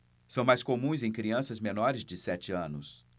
são mais comuns em crianças menores de sete anos